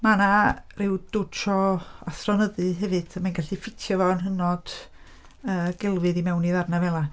Mae 'na ryw dwtsh o athronyddu hefyd a mae hi'n gallu ffitio fo'n hynod yy gelfydd i mewn ddarnau fel'a.